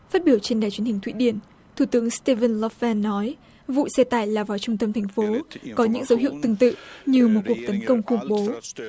phát biểu trên đài truyền hình thụy điển thủ tướng sờ te phừn lo phen nói vụ xe tải lao vào trung tâm thành phố có những dấu hiệu tương tự như một cuộc tấn công khủng bố